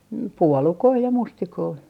puolukoita ja mustikoita